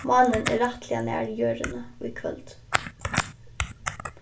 mánin er rættiliga nær jørðini í kvøld